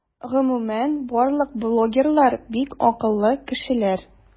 Гомумән барлык блогерлар - бик акыллы кешеләр.